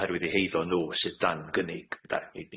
Oherwydd i heiddo nw sydd dan gynnig y da- ni di.